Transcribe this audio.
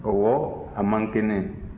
ɔwɔ a man kɛnɛ